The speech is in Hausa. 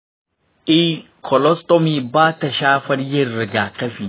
eh, colostomy ba ta shafar yin rigakafi.